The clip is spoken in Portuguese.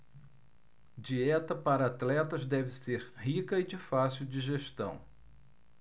dieta para atletas deve ser rica e de fácil digestão